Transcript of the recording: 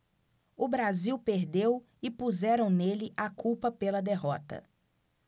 o brasil perdeu e puseram nele a culpa pela derrota